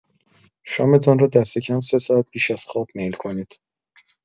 شام‌تان را دست‌کم ۳ ساعت پیش از خواب میل کنید!